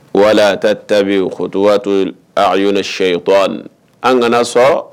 Wala a taa tabitu'ato'o sɛ ye an kana sɔn